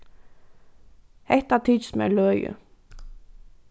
hetta tykist mær løgið